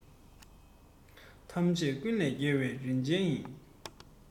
ཐམས ཅད ཀུན ལས རྒྱལ བའི རིག ཅན ཡིན